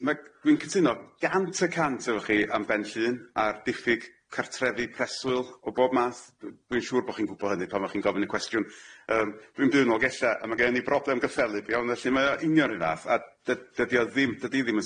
Ma' g- dwi'n cytuno gant y cant efo chi am Benllyn ar diffyg cartrefi preswyl o bob math d- dwi'n siŵr bo' chi'n gwbo hynny pan o' chi'n gofyn y cwestiwn yym dwi'n byw'n Nolgella a ma' gen i broblem gyffelyb iawn felly mae o union ryw fath a dy- dydi o ddim dydi ddim yn